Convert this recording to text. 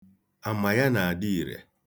Ama ya na-adị ire.